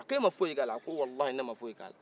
a ko e ma foyi k'a la a ko walayi n ma foyi k'a la